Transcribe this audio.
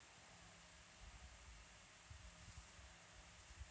стрелец василий